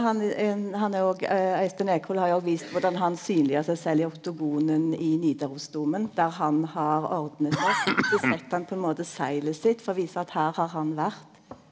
han han og Øystein Ekroll har jo vist korleis han synleggjer seg sjølv i oktogonen i Nidarosdomen der han har ordna så setter han på ein måte seglet sitt for å vise at her har han vore.